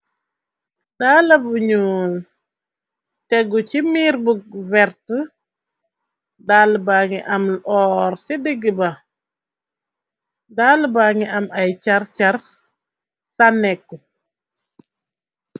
daala bu ñu teggu ci miir bu wert dal ba ngi aml oor ci digg ba daal ba ngi am ay car-car sa nekku.